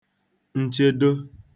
nchedo